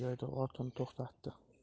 joyda otini to'xtatdi